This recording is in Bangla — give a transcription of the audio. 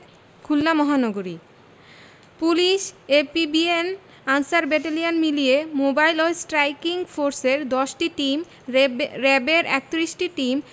খুলনা মহানগরী পুলিশ এপিবিএন আনসার ব্যাটালিয়ন মিলিয়ে মোবাইল ও স্ট্রাইকিং ফোর্সের ১০টি টিম র ্যাবের ৩১টি টিম